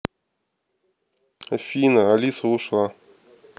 афина алиса ушла